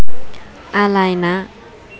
อะไรนะ